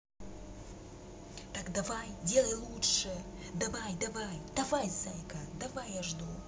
так давай делай лучше давай давай давай зайка давай я жду